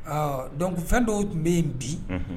Dɔnc fɛn dɔw tun bɛ yen bi